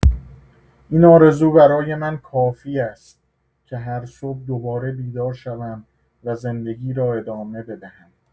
این آرزو برای من کافی است که هر صبح دوباره بیدار شوم و زندگی را ادامه بدهم.